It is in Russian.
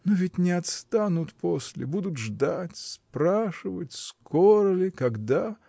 Но ведь не отстанут после, будут ждать, спрашивать: скоро ли, когда?